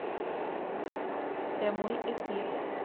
прямой эфир